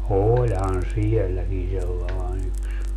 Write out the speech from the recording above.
olihan sielläkin sellainen yksi